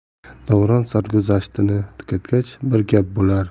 davron sarguzashtini tugatgach bir gap bo'lar